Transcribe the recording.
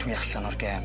Dwi allan o'r gêm.